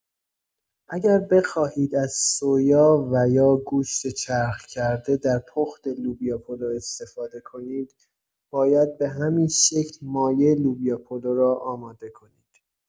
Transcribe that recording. اگر بخواهید از سویا و یا گوشت چرخ کرده در پخت لوبیا پلو استفاده کنید باید به همین شکل مایه لوبیا پلو را آماده کنید.